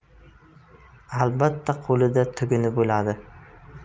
albatta qo'lida tuguni bo'ladi